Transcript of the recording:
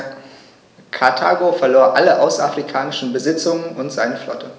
Karthago verlor alle außerafrikanischen Besitzungen und seine Flotte.